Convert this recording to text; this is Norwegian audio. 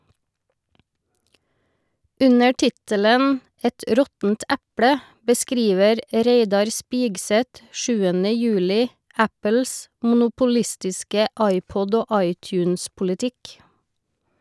Under tittelen «Et råttent eple» beskriver Reidar Spigseth 7. juli Apples monopolistiske iPod- og iTunes-politikk.